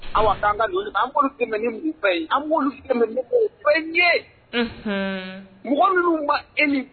Aw k'an ka joli an' mugu fɛyi an b'mɛ fa ɲɛ mɔgɔ minnu ka e ni